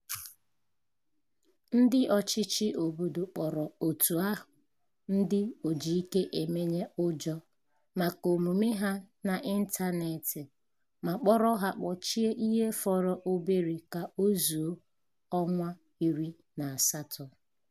Ndị ọchịchị obodo kpọrọ òtù ahụ "ndị ojiikeemenyeụjọ" maka omume ha n'ịntaneetị ma kpọrọ ha kpọchie ihe họrọ obere ka o zuo ọnwa 18.